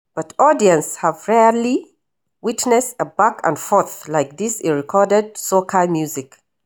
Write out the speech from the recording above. But audiences have rarely witnessed a back-and-forth like this in recorded soca music.